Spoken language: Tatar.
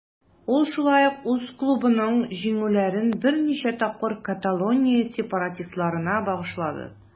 Ул шулай ук үз клубының җиңүләрен берничә тапкыр Каталония сепаратистларына багышлады.